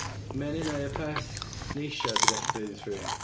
Mae'n unai y peth neisa ti'n gallu deud wrth rywun.